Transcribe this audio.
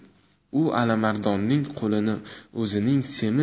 u alimardonning qo'lini o'zining semiz